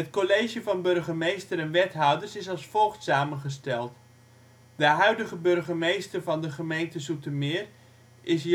college van burgemeester en wethouders is als volgt samengesteld: De huidige burgemeester van de gemeente Zoetermeer is